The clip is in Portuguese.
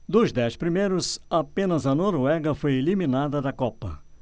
dos dez primeiros apenas a noruega foi eliminada da copa